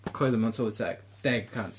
Coelio mewn tylwyth teg deg y cant.